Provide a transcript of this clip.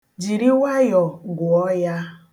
Jiri wayọ gụọ ya.